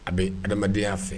A bɛ adamadamadenyaya fɛ